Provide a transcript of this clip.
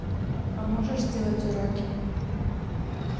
а можешь сделать уроки